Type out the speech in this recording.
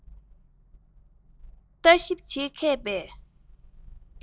ལྟ ཞིབ བྱེད མཁས པའི